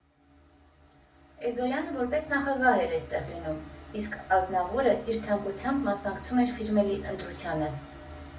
Էգոյանը որպես նախագահ էր էստեղ լինում, իսկ Ազնավուրը իր ցանկությամբ մասնակցում էր ֆիլմերի ընտրությանը…